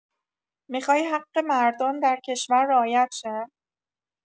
میخوای حق مردان در کشور رعایت شه؟